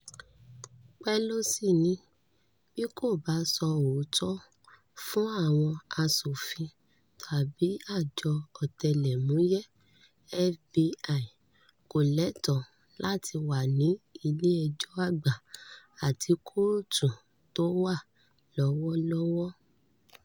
Pelosí ní “Bi kò bá sọ òótọ́ fún àwọn aṣòfin tàbí àjọ ọ̀tẹ̀lẹmúyẹ́ FBI, kò lẹ́tọ̀ọ́ láti wà ní ilé-ẹjọ́ Àgbà àti kọ́ọ̀tù tó wà lọ́wọ́lọ́wọ́ .”